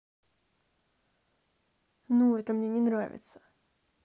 ну это мне не нравится